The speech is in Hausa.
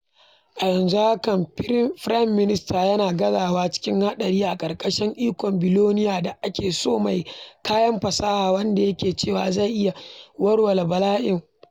A yanzun haka, firaministan yana gazawa cikin haɗari a ƙarƙashin ikon biloniya da ake so mai kayan fasaha wanda ya ce zai iya warware bala'in kwamfuta na Birtaniyya: wato sinister Jason Volta, da Jake Lacy ya rera.